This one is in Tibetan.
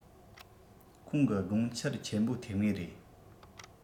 ཁོང གི དགོངས འཆར ཆེན པོ ཐེབས ངེས རེད